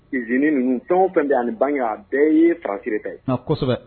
Usine ninnu fɛn o fɛn be ye ani banque a bɛɛ ye France de ta ye ŋa kosɛbɛ